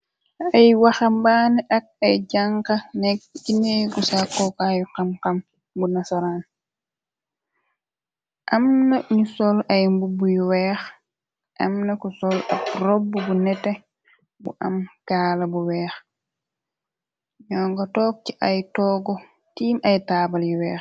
ay waxambaane ak ay jànga nekk gineegu sa kookaayu xam xam bu nasaraan amna ñu sol ay mbubb yu weex amna ku sol ak robb bu nete bu am kaala bu weex ñoo nga toog ci ay toogu tiim ay taabal yu weex